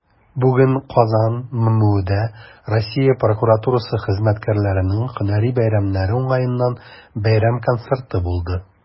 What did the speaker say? Бүген "Казан" ММҮдә Россия прокуратурасы хезмәткәрләренең һөнәри бәйрәмнәре уңаеннан бәйрәм концерты булды.